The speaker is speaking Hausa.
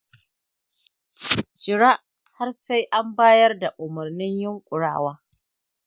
jira har sai an bayar da umurnin yunƙurawa